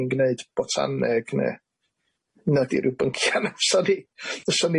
ni'n gneud botaneg ne' 'na 'di ryw byncia' na fysan ni fysan